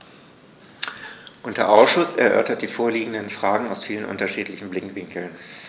Unser Ausschuss erörtert die vorliegenden Fragen aus vielen unterschiedlichen Blickwinkeln.